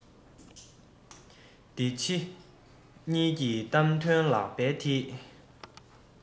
འདི ཕྱི གཉིས ཀྱི གཏམ དོན ལག པའི མཐིལ